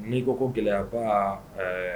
N'i ko gɛlɛyaba ɛɛ